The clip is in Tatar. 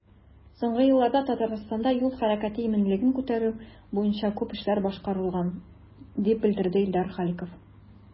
Соңгы елларда Татарстанда юл хәрәкәте иминлеген күтәрү буенча күп эш башкарылган, дип белдерде Илдар Халиков.